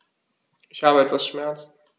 Ich habe etwas Schmerzen.